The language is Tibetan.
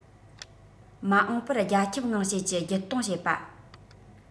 མ འོངས པར རྒྱ ཁྱབ ངང བྱེད ཀྱི བརྒྱུད གཏོང བྱེད པ